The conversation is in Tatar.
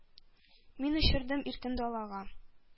Мин очырдым иркен далага.